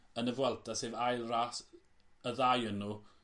yn y Vuelta sef ail ras y ddau o n'w